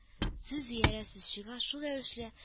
Сүз иярә сүз чыга, шул рәвешле